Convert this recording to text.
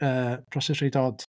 Yy proses reit od